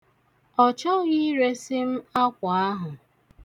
Ọ chọghị iresi m akwa ahụ.